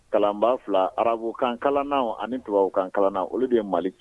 Kalanba fila arabu kan kalannan ani tubabu kan kalan na olu de ye mali kɛ